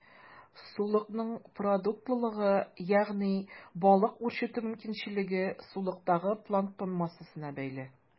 Сулыкның продуктлылыгы, ягъни балык үрчетү мөмкинчелеге, сулыктагы планктон массасына бәйле.